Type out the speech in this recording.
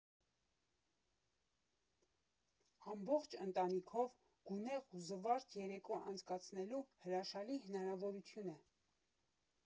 Ամբողջ ընտանիքով գունեղ ու զվարթ երեկո անցկացնելու հրաշալի հնարավորություն է։